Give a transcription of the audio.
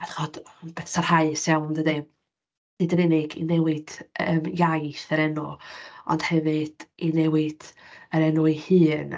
A dach chi'n gwybod, roedd yn beth sarhaus iawn dydy, nid yn unig i newid yym iaith yr enw, ond hefyd i newid yr enw ei hun.